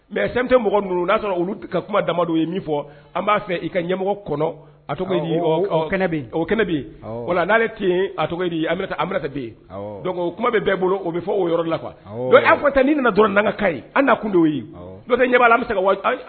Mɛ mɔgɔ n'a sɔrɔ kuma ye fɔ an b'a fɛ i ka ɲɛmɔgɔ wala n'ale a den kuma bɛ bɛɛ bolo o bɛ fɔ o yɔrɔ la kuwa anta n'i nana dɔrɔnka ka ye an na kun ye bɛ se ka